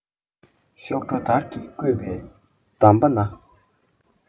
གཤོག སྒྲོ དར གྱི སྐུད པས བསྡམས པ ན